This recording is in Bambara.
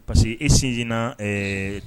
Parce que e sinsinna ɛɛ